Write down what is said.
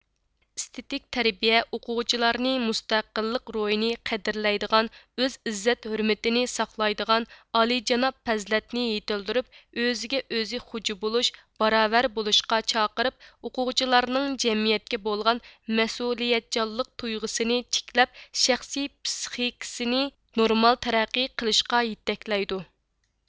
ئىستىتىك تەربىيە ئوقۇغۇچىلارنى مۇستەقىللىق روھىنى قەدىرلەيدىغان ئۆز ئىززەت ھۆرمىتىنى ساقلايدىغان ئالىجاناپ پەزىلەتنى يېتىلدۈرۈپ ئۆزىگە ئۆزى خوجا بولۇش باراۋەر بولۇشقا چاقىرىپ ئوقۇغۇچىلارنىڭ جەمئىيەتكە بولغان مەسئۇلىيەتچانلىق تۇيغىسىنى تىكلەپ شەخسىي پىسخىكىسىنى نورمال تەرەققى قىلىشقا يىتەكلەيدۇ